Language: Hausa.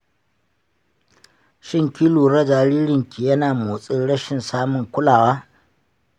shin kin lura jaririnki yana motsin rashin samun kulawa?